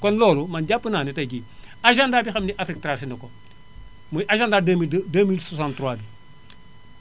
kon loolu man jàpp naa ne tey jii agenda bi xam ne Afrique tracé na ko muy agenda 2002 2063 bi